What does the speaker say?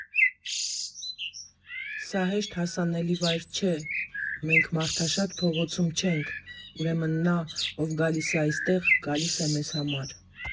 Սա հեշտ հասանելի վայր չէ, մենք մարդաշատ փողոցում չենք, ուրեմն նա, ով գալիս է այստեղ, գալիս է մեզ համար»։